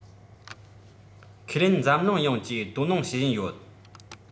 ཁས ལེན འཛམ གླིང ཡོངས ཀྱིས དོ སྣང བྱེད བཞིན ཡོད